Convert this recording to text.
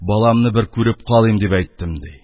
Баламны бер күреп калыйм дип әйттем